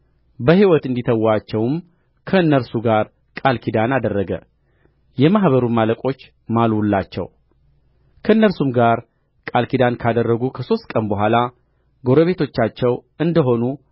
በሕይወት እንዲተዋቸውም ከእነርሱ ጋር ቃል ኪዳን አደረገ የማኅበሩም አለቆች ማሉላቸው ከእነርሱም ጋር ቃል ኪዳን ካደረጉ ከሦስት ቀን በኋላ ጎረቤቶቻቸው እንደ ሆኑ